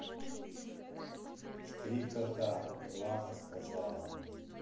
три кота милана сказала